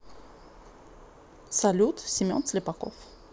салют семен слепаков